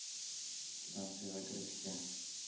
Станциягә кереп китә.